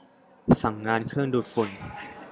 สั่งงานเครื่องดูดฝุ่น